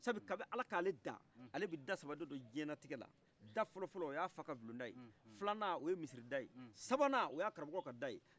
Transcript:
kabi ala k'ale da qlebi da saba de dɔn jiɲɛlatikɛla da fɔlɔfɔlɔ o y'a fa ka bulondaye filanna o ye misiri daye sabanna oy'a karamɔkɔ ka daye